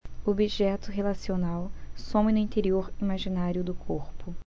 o objeto relacional some no interior imaginário do corpo